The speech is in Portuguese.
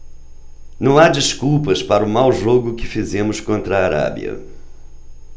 não há desculpas para o mau jogo que fizemos contra a arábia